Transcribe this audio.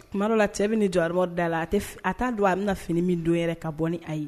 Tuma la cɛ bɛ ni jɔ da la a a t'a don a bɛna fini min don yɛrɛ ka bɔ ni a ye